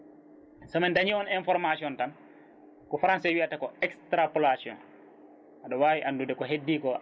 somin dañi on information tan ko Français wiyata ko extrapolation aɗa wawi andude ko heddi ko